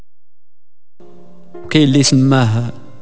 اللي اسمها